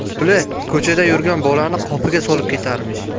lo'li ko'chada yurgan bolani qopiga solib ketarmish